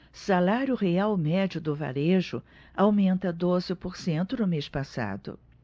salário real médio do varejo aumenta doze por cento no mês passado